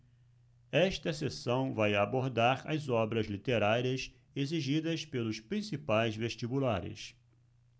esta seção vai abordar as obras literárias exigidas pelos principais vestibulares